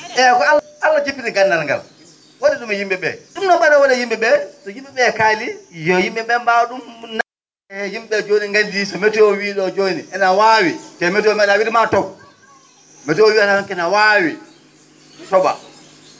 eeyi ko Allah jippini nganndal ngal wa?i ?um e yim?e ?ee ?um noon ?aade o wa?ii e yim?e ?ee so yim?e ?ee kaalii yo yim?e ?ee mbaaw ?um *yim?e ?ee jooni nganndii so météo wi?o jooni ene waawi te météo mee?a wiide maa to? météo wiyata tan ko no waawi to?a